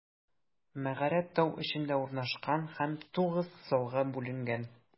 Мәгарә тау эчендә урнашкан һәм тугыз залга бүленгән.